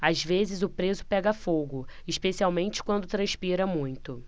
às vezes o preso pega fogo especialmente quando transpira muito